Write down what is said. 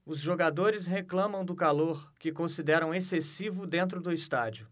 os jogadores reclamam do calor que consideram excessivo dentro do estádio